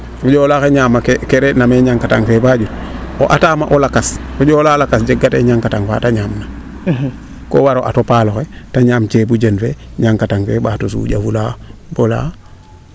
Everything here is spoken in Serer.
o Njola xe ñama meene ke re ina meen ñakatang fee ba ƴut o ata ma o lakas o Ndiola lakas jeg kate ñankata faa te ñaam na ko waro ato paaloxe te ñaam ceebu jen fee ñankata fee ɓaato suƴafula